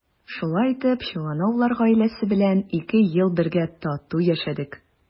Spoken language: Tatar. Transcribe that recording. Шулай итеп Чувановлар гаиләсе белән ике ел бергә тату яшәдек.